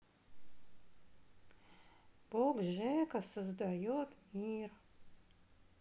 бог жека создает мир